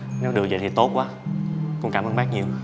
nếu được vậy thì tốt quá con cảm ơn bác nhiều